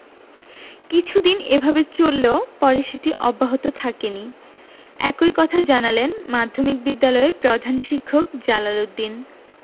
কিছুদিন এভাবে চললেও পরে সেটি অব্যাহত থাকেনি একই কথা জানালেন মাধ্যমিক বিদ্যালয়ের প্রধান শিক্ষক জালাল উদ্দিন